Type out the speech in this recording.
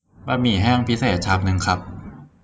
บะหมี่แห้งพิเศษชามนึงครับ